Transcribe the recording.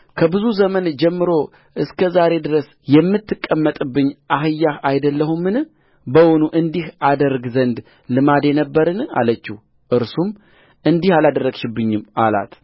ከብዙ ዘመን ጀምሮ እስከ ዛሬ ድረስ የምትቀመጥብኝ አህያህ አይደለሁምን በውኑ እንዲህ አደርግ ዘንድ ልማዴ ነበረን አለችው እርሱም እንዲህ አላደረግሽብኝም አላት